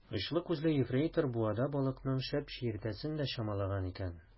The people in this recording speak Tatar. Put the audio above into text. Очлы күзле ефрейтор буада балыкның шәп чиертәсен дә чамалаган икән.